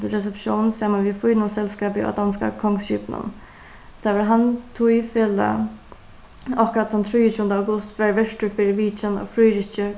til reseptión saman við fínum selskapi á danska kongsskipinum tað var hann tí felag okkara tann trýogtjúgunda august var vertur fyri vitjan av fríðriki